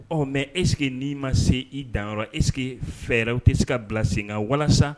Ɔn mais est-ce que ni ma se i danyɔrɔ est ce que fɛɛrɛw ti se ka bila sen kan walasa